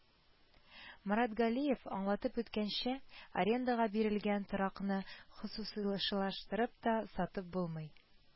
Марат Галиев аңлатып үткәнчә, арендага бирелгән торакны хосусыйлаштырып та, сатып булмый